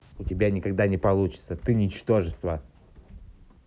у тебя никогда не получится ты ничтожество